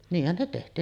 niinhän ne tehtiin